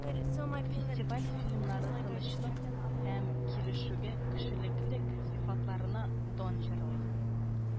Фестиваль фильмнары тынычлык һәм килешүгә, кешелеклелек сыйфатларына дан җырлый